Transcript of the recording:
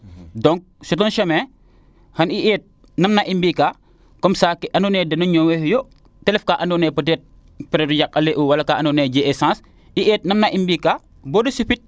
donc c' est un chemin xan i eet nam i mbi kaa comme ca kee ando naye deno ñoowa yo te ref kaa ando naye peut etre yaqa reend u wala kaa ando naye jegee sens i eet nam i mbi kaa bo de supid